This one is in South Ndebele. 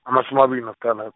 amatjhumi amabili nasithandath-.